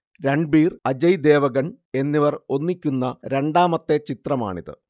രൺബീർ അജയ് ദേവ്ഗൺ എന്നിവർ ഒരുമിക്കുന്ന രണ്ടാമത്തെ ചിത്രമാണിത്